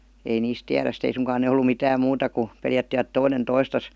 ei niistä tiedä sitten ei suinkaan ne ollut mitään muuta kuin pelättivät toinen toistaan